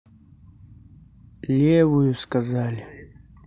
левую сказали